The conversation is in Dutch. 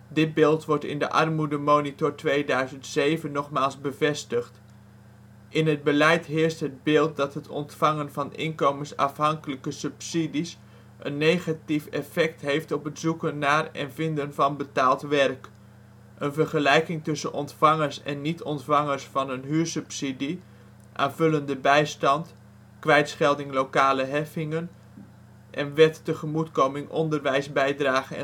Dit beeld wordt in de armoedemonitor 2007 nogmaals bevestigd: In het beleid heerst het beeld dat het ontvangen van inkomensafhankelijke subsidies een negatief effect heeft op het zoeken naar en vinden van betaald werk. Een vergelijking tussen ontvangers en niet-ontvangers van huursubsidie, aanvullende bijstand, kwijtschelding lokale heffingen, en Wtos (Wet tegemoetkoming onderwijsbijdrage